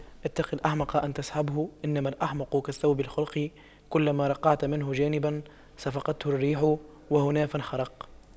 اتق الأحمق أن تصحبه إنما الأحمق كالثوب الخلق كلما رقعت منه جانبا صفقته الريح وهنا فانخرق